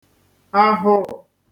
ahụrụ̀